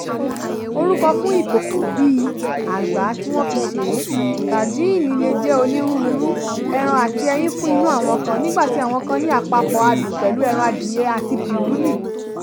Orúkọ fún ìkòkò bíi àgbá tí wọ́n fi ṣèé, tàjíìnì le jẹ́ onírúurú; ẹran àti ẹyin kún inú àwọn kan, nígbà tí àwọn kan ní àpapọ̀ adùn pẹ̀lú ẹran adìẹ àti pírùnì.